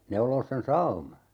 neuloa sen sauman